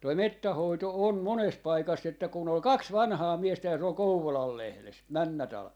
tuo metsän hoito on monessa paikassa että kun oli kaksi vanhaa miestä ja se oli Kouvolan lehdessä menneenä talvena